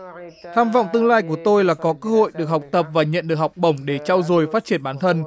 tham vọng tương lai của tôi là có cơ hội được học tập và nhận được học bổng để trau dồi phát triển bản thân